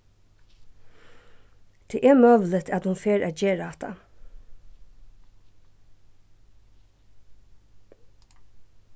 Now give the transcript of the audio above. tað er møguligt at hon fer at gera hatta